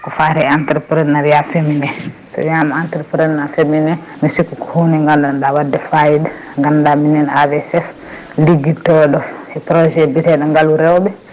ko fate entreprenariat féminin so wiyama entreprenariat féminin mi sikku ko hunde nde gandaɗa wadde fayida ganduɗa minen AVSF ligguidtoɗo e projet mbiyeteɗo ngaalu rewɓe